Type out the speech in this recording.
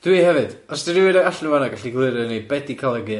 Dw i hefyd. Os 'na rywun allan yn fan 'na gallu egluro i ni be' 'di Calan Gaeaf?